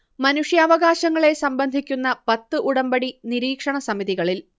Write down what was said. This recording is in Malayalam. മനുഷ്യാവകാശങ്ങളെ സംബന്ധിക്കുന്ന പത്ത് ഉടമ്പടി നിരീക്ഷണ സമിതികളിൽ